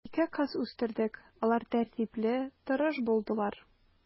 Ике кыз үстердек, алар тәртипле, тырыш булдылар.